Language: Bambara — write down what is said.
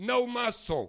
N'aw m ma sɔn